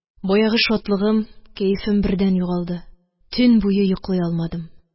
Баягы шатлыгым, кәефем бердән югалды. Төн буе йоклый алмадым.